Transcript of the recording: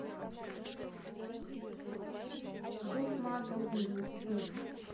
что смазывают на велосипеде